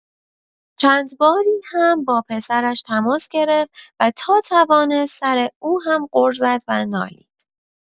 چند باری هم با پسرش تماس گرفت و تا توانست سر او هم غر زد و نالید.